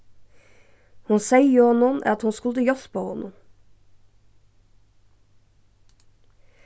hon segði honum at hon skuldi hjálpa honum